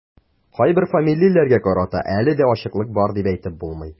Кайбер фамилияләргә карата әле дә ачыклык бар дип әйтеп булмый.